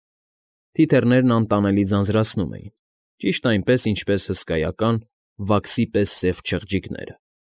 Թիթեռներն անտանելի ձանձրացնում էին, ճիշտ այնպես, ինչպես հսկայական, վաքսի պես սև չղջիկները։